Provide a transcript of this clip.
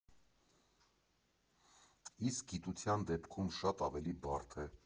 Իսկ գիտության դեպքում շատ ավելի բարդ է.